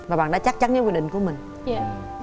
và bạn đã chắc chắn với quy định của mình